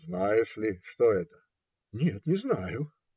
- Знаешь ли, что это? - Нет, не знаю.